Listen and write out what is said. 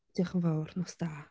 Diolch yn fawr, nos da.